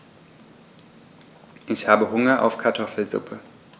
Ich habe Hunger auf Kartoffelsuppe.